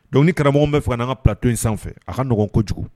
Don karamɔgɔw bɛ faga n'an ka bilato in sanfɛ a ka ɲɔgɔnɔgɔn ko kojugu